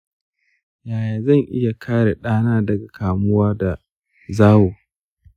yaya zan iya kare ɗana daga kamuwa da zawo?